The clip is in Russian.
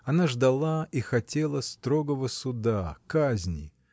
Она ждала и хотела строгого суда, казни.